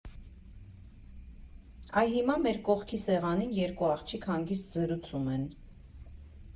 Այ հիմա մեր կողքի սեղանին երկու աղջիկ հանգիստ զրուցում են.